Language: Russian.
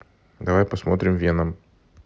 давай посмотрим веном